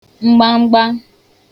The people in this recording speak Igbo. mgbamgba